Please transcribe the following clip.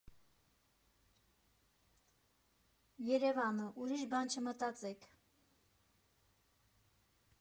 ԵՐԵՎԱՆը, ուրիշ բան չմտածեք։